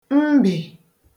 mbị̀